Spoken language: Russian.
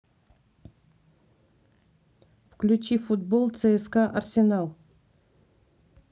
включи футбол цска арсенал